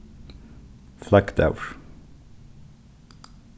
flaggdagur